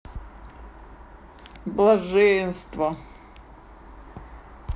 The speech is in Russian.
блаженство